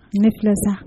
Ne filɛ sa